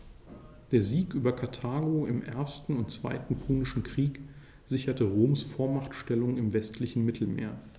Der Sieg über Karthago im 1. und 2. Punischen Krieg sicherte Roms Vormachtstellung im westlichen Mittelmeer.